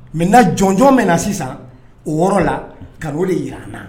Mɛ na jɔnj mɛn na sisan o yɔrɔ la ka o de jirana